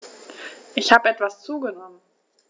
Ich habe etwas zugenommen